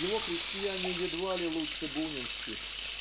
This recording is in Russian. Его крестьяне едва ли лучше бунинских